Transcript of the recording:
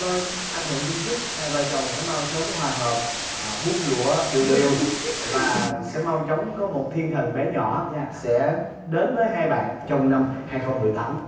thôi anh thuận xin chúc hai vợ chồng sẽ mau sớm hòa hợp ờ bung lụa đều đều và sẽ mau chóng có một thiên thần bé nhỏ sẽ đến với hai bạn trong năm hai không mười tám